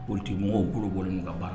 Politique mɔgɔw k'olu bɔlen don ka ban